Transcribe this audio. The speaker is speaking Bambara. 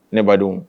Ne badenw